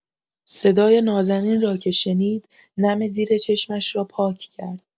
صدای نازنین را که شنید، نم زیر چشمش را پاک کرد.